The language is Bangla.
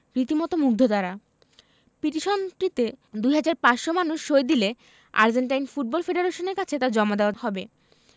রীতিমতো মুগ্ধ তাঁরা পিটিশনটিতে ২ হাজার ৫০০ মানুষ সই দিলেই আর্জেন্টাইন ফুটবল ফেডারেশনের কাছে তা জমা দেওয়া হবে